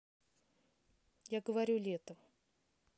я говорю летом